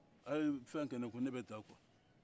a ye fɛn kɛ ne kun ne bɛ taa quoi